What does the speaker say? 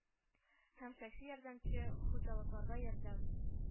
Һәм шәхси ярдәмче хуҗалыкларга ярдәм